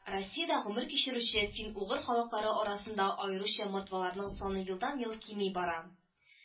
Россиядә гомер кичерүче фин-угыр халыклары арасында аеруча мордваларның саны елдан-ел кими бара